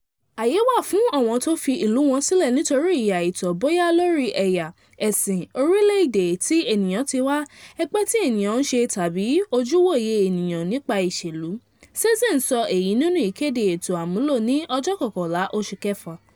“Àyè wà fún àwọn tó fi ìlú wọn sílẹ̀ nítorí ìyà àìtọ́ bóyá lórí ẹ̀yà, ẹ̀sìn, orílẹ̀èdè tí ènìyàn ti wá, ẹgbẹ́ tí ènìyàn ń ṣe tàbí ojúùwoye ènìyàn nípa ìṣèlú” Sessions sọ èyí nínú ìkéde ètò àmúlò ní ọjọ́ kọọkànlá, oṣù kẹfà.